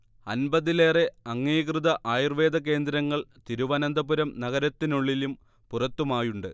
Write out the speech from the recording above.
അൻപതിലേറെ അംഗീകൃത ആയുർവേദ കേന്ദ്രങ്ങൾ തിരുവനന്തപുരം നഗരത്തിനുള്ളിലും പുറത്തുമായുണ്ട്